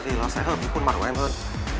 mặt của